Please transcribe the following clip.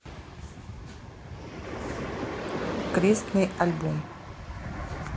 крестный альбом